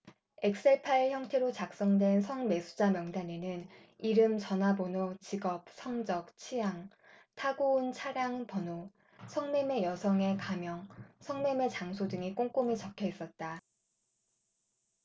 엑셀파일 형태로 작성된 성매수자 명단에는 이름 전화번호 직업 성적 취향 타고 온 차량 번호 성매매 여성의 가명 성매매 장소 등이 꼼꼼히 적혀 있었다